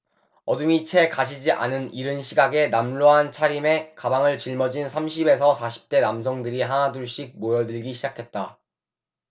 어둠이 채 가시지 않은 이른 시각에 남루한 차림에 가방을 짊어진 삼십 에서 사십 대 남성들이 하나둘씩 모여들기 시작했다